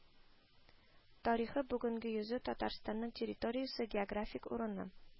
Тарихы, бүгенге йөзе, татарстанның территориясе, географик урыны,